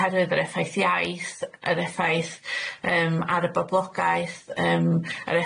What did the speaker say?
oherwydd yr effaith iaith yr effaith yym ar y boblogaeth yym